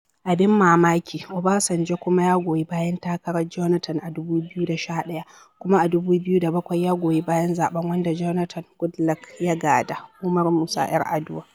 Abin mamaki, Obasanjo kuma ya goyi bayan takarar Jonathan a 2011. Kuma a 2007, ya goyi bayan zaɓen wanda Jonathan Goodluck ya gada, Umaru Musa 'Yar'aduwa.